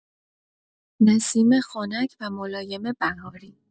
نسیم خنک و ملایم بهاری